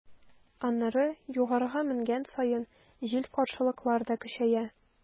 Аннары, югарыга менгән саен, җил-каршылыклар да көчәя.